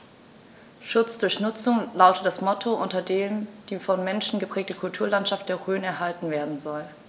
„Schutz durch Nutzung“ lautet das Motto, unter dem die vom Menschen geprägte Kulturlandschaft der Rhön erhalten werden soll.